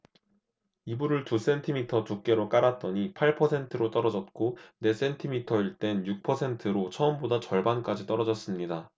이불을 두 센티미터 두께로 깔았더니 팔 퍼센트로 떨어졌고 네 센티미터일 땐 육 퍼센트로 처음보다 절반까지 떨어졌습니다